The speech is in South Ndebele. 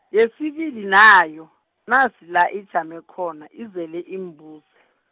yesibili nayo, nasi la ijame khona izele iimbuzi .